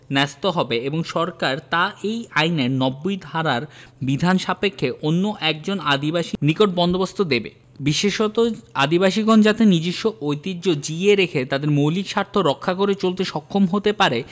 ন্যস্ত হবে এবং সরকার তা এ আইনের ৯০ ধারারবিধান সাপেক্ষে অন্য একজন আদিবাসীর নিকট বন্দোবস্ত দেবে বিশেষত আদিবাসীগণ যাতে নিজস্ব ঐতিহ্য জিইয়ে রেখে তাদের মৌলিক স্বার্থ রক্ষা করে চলতে সক্ষম হতে পারে